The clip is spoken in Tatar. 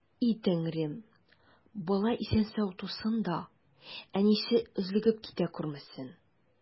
И Тәңрем, бала исән-сау тусын да, әнисе өзлегеп китә күрмәсен!